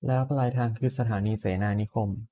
แล้วปลายทางคือสถานีเสนานิคม